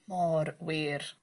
Mor wir.